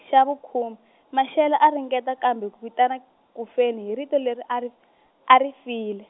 xa vukhume, Mashele a ringeta kambe ku vitana ku feni hi rito leri a ri a ri file.